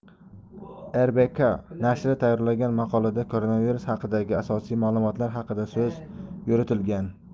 rbk nashri tayyorlagan maqolada koronavirus haqidagi asosiy ma'lumotlar haqida so'z yuritilgan